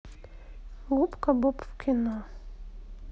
губка боб в кино